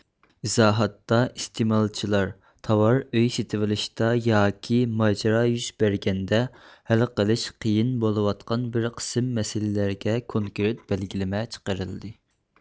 ئىزاھات تا ئىستېمالچىلار تاۋار ئۆي سېتىۋېلىشتا ياكى ماجرا يۈز بەرگەندە ھەل قىلىش قىيىن بولۇۋاتقان بىر قىسىم مەسىلىلەرگە كونكرېت بەلگىلىمە چىقىرىلدى